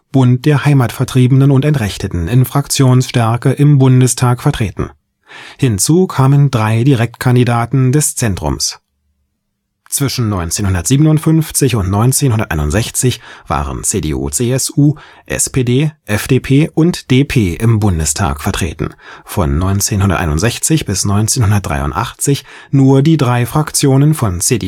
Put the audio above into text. Block/Bund der Heimatvertriebenen und Entrechteten in Fraktionsstärke im Bundestag vertreten. Hinzu kamen drei Direktkandidaten des Zentrums. Zwischen 1957 und 1961 waren CDU/CSU, SPD, FDP und DP im Bundestag vertreten, von 1961 bis 1983 nur die drei Fraktionen von CDU/CSU